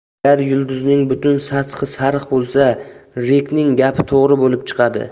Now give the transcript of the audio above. agar yulduzning butun sathi sariq bo'lsa rekning gapi to'g'ri bo'lib chiqadi